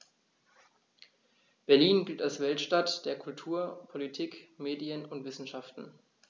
Berlin gilt als Weltstadt der Kultur, Politik, Medien und Wissenschaften.